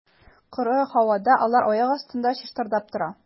Коры һавада алар аяк астында чыштырдап тора.